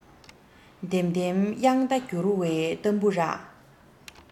ལྡེམ ལྡེམ དབྱངས རྟ འགྱུར བའི ཏམ བུ ར